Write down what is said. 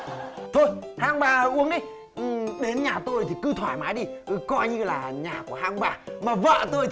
thôi hai ông bà uống đi đến nhà tôi thì cứ thoải mái đi coi như là nhà của hai ông bà mà vợ tôi thì